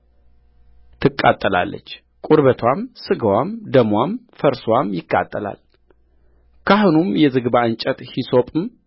ትቃጠላለች ቁርበትዋም ሥጋዋም ደምዋም ፈርስዋም ይቃጠላልካህኑም የዝግባ እንጨት ሂሶጵም